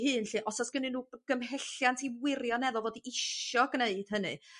hun lly os o's gennyn nhw g- gymhelliant i wirioneddol fod isio gneud hynny